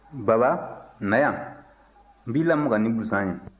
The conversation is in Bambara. baba na yan n b'i lamaga ni busan ye